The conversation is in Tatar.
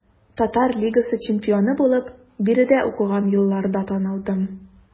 Татар лигасы чемпионы булып биредә укыган елларда танылдым.